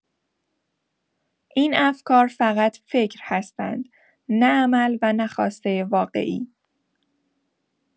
این افکار فقط «فکر» هستند، نه عمل و نه خواسته واقعی.